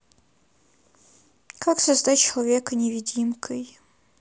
как создать человека невидимкой